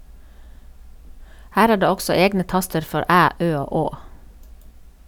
Her er det også egne taster for æ, ø og å.